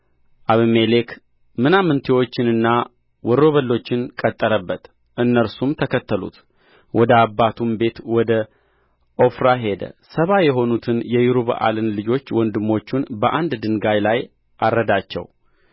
አቤሜሌክ ምናምንቴዎችንና ወሮበሎችን ቀጠረበት እነርሱም ተከተሉት ወደ አባቱም ቤት ወደ ዖፍራ ሄደ ሰባ የሆኑትን የይሩበኣልን ልጆች ወንድሞቹን በአንድ ድንጋይ ላይ አረዳቸው